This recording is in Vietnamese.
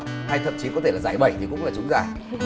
hay thậm chí có thể là giải bẩy thì cũng là trúng giải